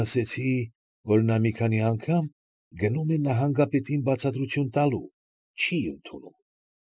Լսեցի, որ նա մի քանի անգամ գնում է նահանգապետին բացատրություն տալու, չի ընդունում։